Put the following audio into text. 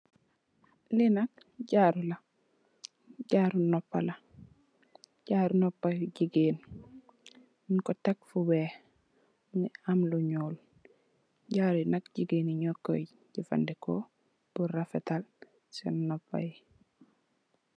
Li nak jaaru la jaaru nopa la jaaru nopa yu jigeen ñyun ko tek fo weex mongi am lu nuul jaaru yi nak jigeen nyu koy jefendeko pur refatal sen nopa yi.